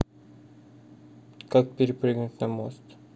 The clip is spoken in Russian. как перепрыгнуть на мост